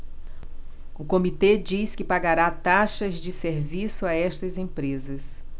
o comitê diz que pagará taxas de serviço a estas empresas